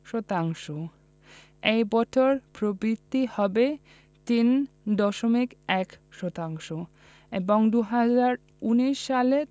শতাংশ এ বছর প্রবৃদ্ধি হবে ৩.১ শতাংশ এবং ২০১৯ সালে